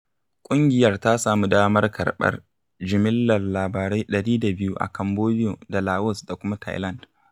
ƙungiyar ta sami damar karɓar jimillar labarai 102 a Cambodiyo da Laos da kuma Thailand.